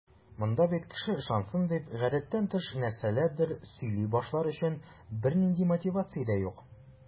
Монда бит кеше ышансын дип, гадәттән тыш нәрсәләрдер сөйли башлар өчен бернинди мотивация дә юк.